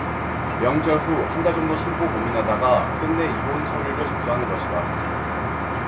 명절 후 한달 정도 참고 고민하다가 끝내 이혼 서류를 접수하는 것이다